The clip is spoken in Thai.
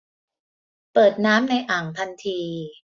เปิดน้ำในอ่างทันที